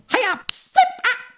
Ha-ya! Flip! Ah!